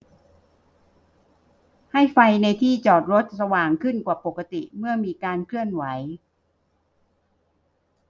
ให้ไฟในที่จอดรถสว่างขึ้นกว่าปกติเมื่อมีการเคลื่อนไหว